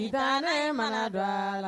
I kana mana don a la